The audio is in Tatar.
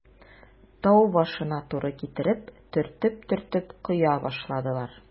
Тау башына туры китереп, төртеп-төртеп коя башладылар.